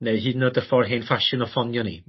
neu hyd yn o'd y ffor hen ffasiwn o ffonio ni.